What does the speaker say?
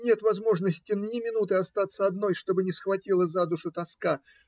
Нет возможности ни минуты остаться одной, чтобы не схватила за душу тоска.